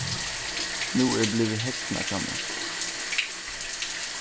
nú er blivið hegnað hjá mær